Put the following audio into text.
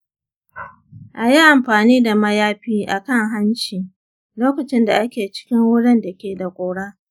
a yi amfani da mayafi a kan hanci lokacin da ake cikin wurin da ke da ƙura.